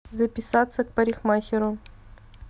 записаться к парикмахеру